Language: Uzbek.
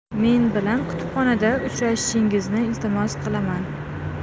men bilan kutubxonada uchrashingizni iltimos qilaman